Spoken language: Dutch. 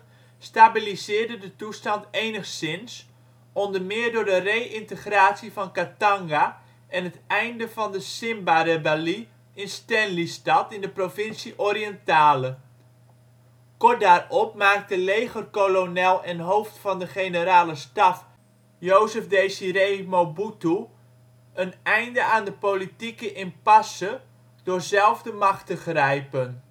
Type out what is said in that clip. stabiliseerde de toestand enigszins, onder meer door de re-integratie van Katanga en het einde van de Simba-rebellie in Stanleystad (province Orientale). Kort daarop maakte leger-kolonel en hoofd van de generale staf Joseph Désiré Mobutu een einde aan de politieke impasse door zelf de macht te grijpen